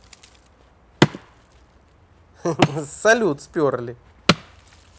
салют сперли